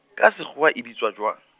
ka sekgowa e bitswa jwang?